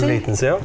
ja.